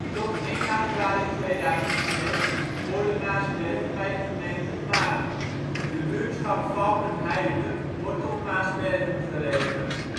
Tot 1 januari 2006 hoorde Maarsbergen bij de gemeente Maarn. Het buurtschap Valkenheide wordt tot Maarsbergen gerekend